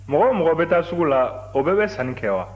mɔgɔ o mɔgɔ bɛ taa sugu la o bɛɛ bɛ sanni kɛ wa